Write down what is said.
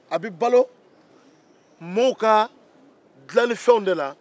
a bɛ balo mɔgɔw ka dilanni fɛnw de la